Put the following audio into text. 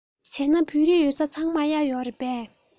བྱས ན བོད རིགས ཡོད ས ཚང མར གཡག ཡོད རེད པས